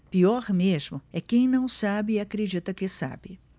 pior mesmo é quem não sabe e acredita que sabe